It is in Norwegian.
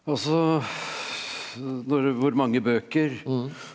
altså når hvor mange bøker?